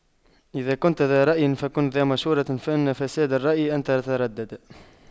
إذا كنتَ ذا رأيٍ فكن ذا مشورة فإن فساد الرأي أن تترددا